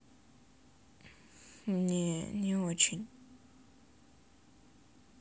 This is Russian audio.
мне не очень